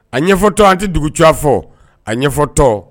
A ɲɛfɔtɔ an tɛ dugu cogoya fɔ a ɲɛfɔ tɔ